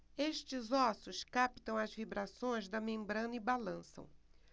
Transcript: estes ossos captam as vibrações da membrana e balançam